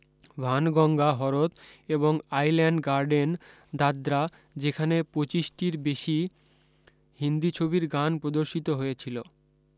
ভানগঙ্গা হরদ এবং island garden Dadra যেখানে পঁচিশ টির বেশী হিন্দী ছবির গান প্রদর্শিত হয়েছিলো